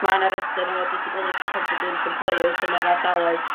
ma' 'na rester o disability confidence employers yn yr ardaloedd